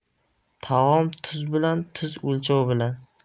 taom tuz bilan tuz o'lchov bilan